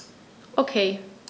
Okay.